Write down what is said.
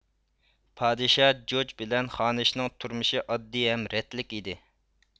پادىشاھ جوج بىلەن خانىشنىڭ تۇرمۇشى ئاددى ھەم رەتلىك ئىدى